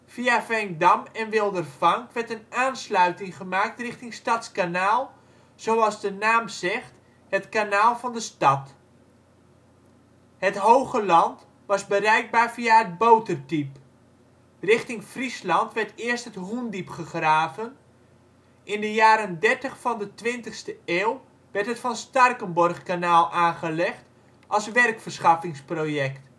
Via Veendam en Wildervank werd een aansluiting gemaakt richting Stadskanaal, zoals de naam zegt, het kanaal van de stad. Het Hogeland was bereikbaar via het Boterdiep. Richting Friesland werd eerst het Hoendiep gegraven, in de jaren dertig van de 20e eeuw werd het Van Starkenborghkanaal aangelegd als werkverschaffingsproject